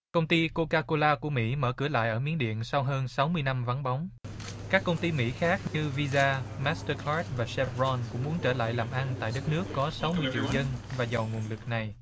công ty cô ca cô la của mỹ mở cửa lại ở miến điện sau hơn sáu mươi năm vắng bóng các công ty mỹ khác như vi da mát xừ tơ các và se vờ ron cũng muốn trở lại làm ăn tại đất nước có sáu mươi triệu dân và giàu nguồn lực này